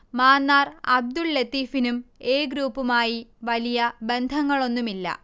മാന്നാർ അബ്ദുൽ ലത്തീഫിനും എ ഗ്രൂപ്പുമായി വലിയ ബന്ധങ്ങളൊന്നുമില്ല